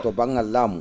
to ba?ngal laamu